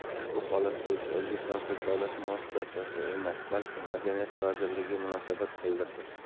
ushbu holat bo'yicha 'o'zbekkonsert' davlat muassasasi emas balki madaniyat vazirligi munosabat bildirdi